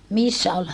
missä oli